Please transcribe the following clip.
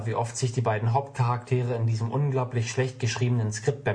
oft sich die beiden Hauptcharaktere in diesem unglaublich schlecht geschriebenen Skript